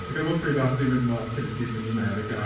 Ti'n gwybod pryd wnaethon ni mynd mas cyn i ti mynd i America...